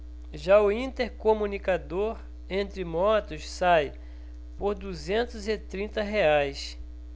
já o intercomunicador entre motos sai por duzentos e trinta reais